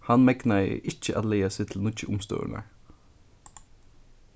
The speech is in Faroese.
hann megnaði ikki at laga seg til nýggju umstøðurnar